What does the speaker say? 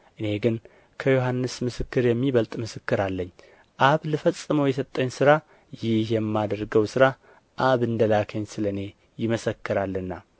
እኔ ግን ከዮሐንስ ምስክር የሚበልጥ ምስክር አለኝ አብ ልፈጽመው የሰጠኝ ሥራ ይህ የማደርገው ሥራ አብ እንደ ላከኝ ስለ እኔ ይመሰክራልና